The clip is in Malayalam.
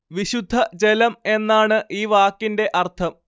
വിശുദ്ധ ജലം എന്നാണ് ഈ വാക്കിന്റെ അർത്ഥം